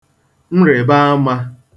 nrị̀bàamā